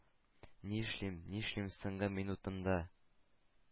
Нишлим, нишлим, соңгы минутымда